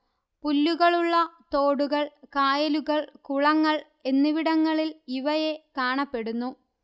പുല്ലുകളുള്ള തോടുകൾ കായലുകൾ കുളങ്ങൾ എന്നിവിടങ്ങളിൽ ഇവയെ കാണപ്പെടുന്നു